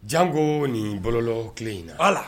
Janko nin balolɔ kelen in na ala